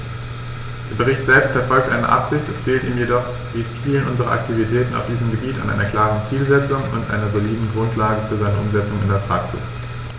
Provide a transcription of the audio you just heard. Der Bericht selbst verfolgt eine gute Absicht, es fehlt ihm jedoch wie vielen unserer Aktivitäten auf diesem Gebiet an einer klaren Zielsetzung und einer soliden Grundlage für seine Umsetzung in die Praxis.